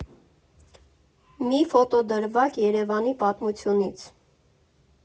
Մի ֆոտոդրվագ Երևանի պատմությունից։